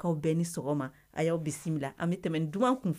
Bɛɛ ni sɔgɔma a y'aw bisimila bila an bɛ tɛmɛ dunan tun fɛ